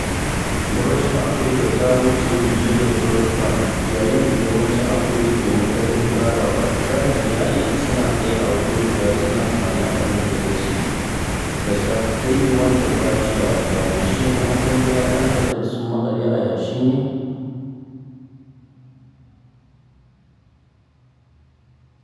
Gabashin Afirka ya wuce fiye da broadband… yayin da Yammacin Afirka ke matakin farawa, (a zahiri, har yanzu suna tsaye a waje guda suna tunanin abin da za su yi), da SAT3 wanda bashi da amfani, (shin 'yan kwangilar Alcatel sun maƙale a yashi ne?